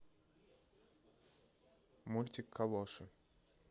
мультик калоши